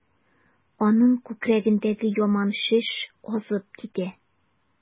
Аның күкрәгендәге яман шеш азып китә.